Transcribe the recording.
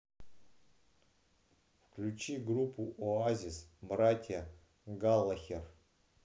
включи группу оазис братья галлахер